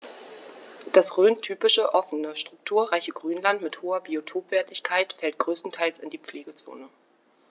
Das rhöntypische offene, strukturreiche Grünland mit hoher Biotopwertigkeit fällt größtenteils in die Pflegezone.